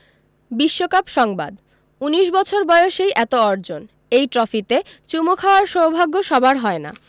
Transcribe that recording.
বিশ্বকাপ সংবাদ ১৯ বছর বয়সেই এত অর্জন এই ট্রফিতে চুমু খাওয়ার সৌভাগ্য সবার হয় না